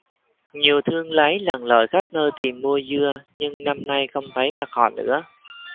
nhiều thương lái lặn lội khắp nơi tìm mua dưa nhưng năm nay không thấy mặt họ nữa